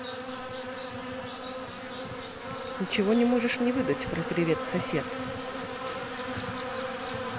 ничего не можешь не выдать про привет сосед